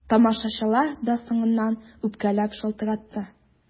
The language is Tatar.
Тамашачылар да соңыннан үпкәләп шалтыратты.